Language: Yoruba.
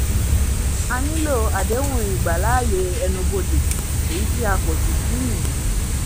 A nílò àdéhùn ìgbàláàyè ẹnu-bodè, èyí tí a kò sì tíì ní.